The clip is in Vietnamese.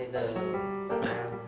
bây giờ hai em